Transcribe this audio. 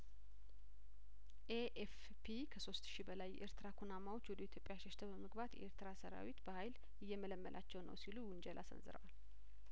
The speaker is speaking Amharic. ኤኤፍፒ ከሶስት ሺ በላይ የኤርትራ ኩናማዎች ወደ ኢትዮጵያሸሽተው በመግባት የኤርትራ ሰራዊት በሀይል እየመለመላቸው ነው ሲሉ ውንጀላ ሰንዝረዋል